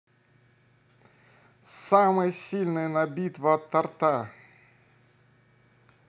самая сильная на битва от торта